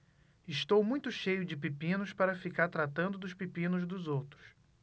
estou muito cheio de pepinos para ficar tratando dos pepinos dos outros